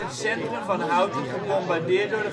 centrum van Houten gebombardeerd door